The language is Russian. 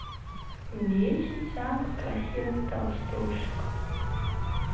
десять самых красивых толстушек